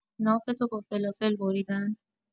نافتو با فلافل بریدن